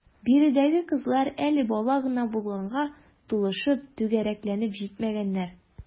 Биредәге кызлар әле бала гына булганга, тулышып, түгәрәкләнеп җитмәгәннәр.